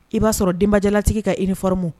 I b'a sɔrɔ denbajalatigi ka i ni fɔmu